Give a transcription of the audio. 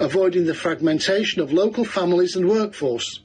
avoiding the fragmentation of local families and workforce.